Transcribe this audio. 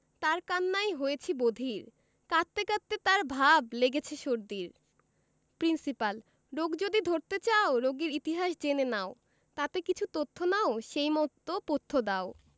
তার কান্নায় হয়েছি বধির কাঁদতে কাঁদতে তার ভাব লেগেছে সর্দির প্রিন্সিপাল রোগ যদি ধরতে চাও রোগীর ইতিহাস জেনে নাও তাতে কিছু তথ্য নাও সেই মত পথ্য দাও